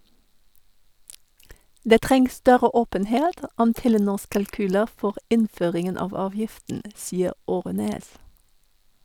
- Det trengs større åpenhet om Telenors kalkyler for innføringen av avgiften, sier Aarønæs.